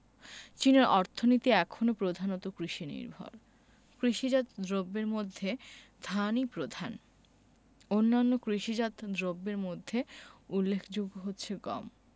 চীনের অর্থনীতি এখনো প্রধানত কৃষিনির্ভর কৃষিজাত দ্রব্যের মধ্যে ধানই প্রধান অন্যান্য কৃষিজাত দ্রব্যের মধ্যে উল্লেখযোগ্য হচ্ছে গম